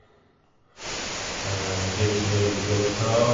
Trives veldig godt her.